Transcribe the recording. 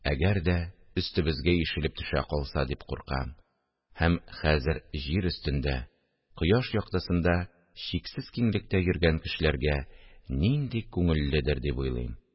Әгәр дә өстебезгә ишелеп төшә калса!..» дип куркам һәм «хәзер җир өстендә, кояш яктысында чиксез киңлектә йөргән кешеләргә нинди күңелледер» дип уйлыйм